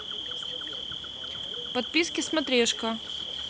подписки смотрешка